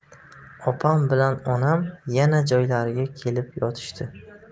opam bilan onam yana joylariga kelib yotishdi